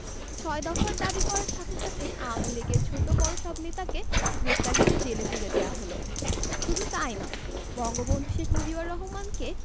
ছয় দফার দাবি করার সাথে সাথেই আওয়ামী লীগের ছোট বড়ো সব নেতাকে গ্রেপ্তার করে জেলে পুরে দেয়া হলো শুধু তাই নয় বঙ্গবন্ধু শেখ মুজিবর রহমানকে